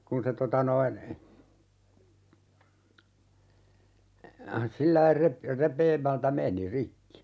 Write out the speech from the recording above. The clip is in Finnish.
kun se tuota noin sillä lailla - repeämältä meni rikki